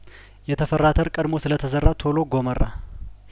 የተፈራ አተር ቀድሞ ስለተዘራ ቶሎ ጐመራ